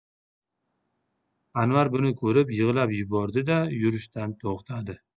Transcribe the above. anvar buni ko'rib yig'lab yubordi da yurishdan to'xtadi